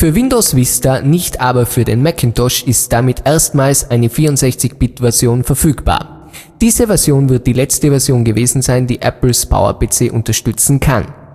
Windows (Vista), nicht aber für den Macintosh ist damit erstmals eine 64-Bit-Version verfügbar. Diese Version wird die letzte Version gewesen sein, die Apples Power-PCs unterstützen kann